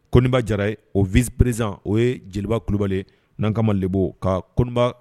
Koba jara o vzperez o ye jeliba ku kulubali n'an ka bbɔ ka koba